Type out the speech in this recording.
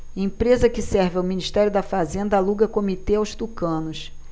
empresa que serve ao ministério da fazenda aluga comitê aos tucanos